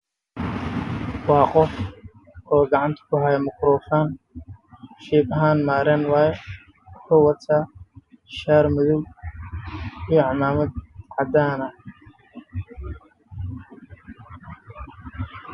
Waa wiilal oo makaroofan madow hayo cimaamad